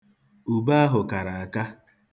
Ube ahụ kara aka.